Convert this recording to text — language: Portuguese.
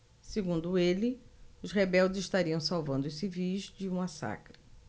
segundo ele os rebeldes estariam salvando os civis de um massacre